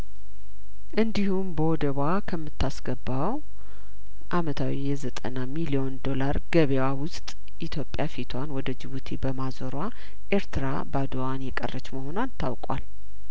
እንዲሁም በወደቧ ከምታስገባው አመታዊ የዘጠና ሚሊዮን ዶላር ገቢዋ ውስጥ ኢትዮጵያ ፊትዋን ወደ ጅቡቲ በማዞርዋ ኤርትራ ባዶዋን የቀረች መሆኗን ታውቋል